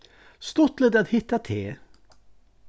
stuttligt at hitta teg